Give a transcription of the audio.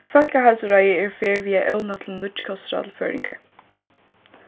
fólkaheilsuráðið er í ferð við at evna til nýggj kostráð til føroyingar